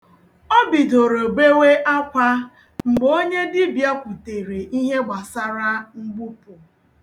O bidoro bewe akwa mgbe onye dibịa kwutere ihe gbasara mgbupụ.